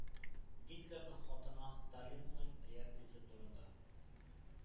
Гитлерның хатына Сталинның реакциясе турында